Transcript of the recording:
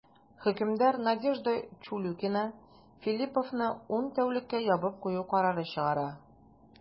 Хөкемдар Надежда Чулюкина Филлиповны ун тәүлеккә ябып кую карары чыгара.